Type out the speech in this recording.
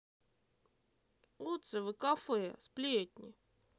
отзывы кафе сплетни